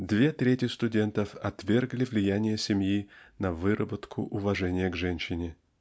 Две трети студентов отвергли влияние семьи на выработку уважения к женщине.